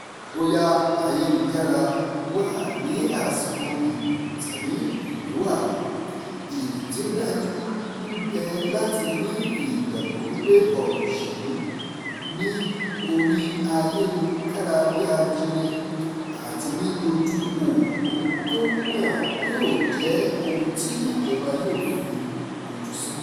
Bó yá ayélujára wà ní àsìkò ìbò tàbí kò ní í wà, ìdí tí ó dájú ń bẹ láti ní ìgbàgbọ́ wípé ọ̀rọ̀ òṣèlú ní orí ayélukára-bí-ajere àti ní ojú òpópónà yóò jẹ́ ohun tí ìjọba yóò fi ojú sí.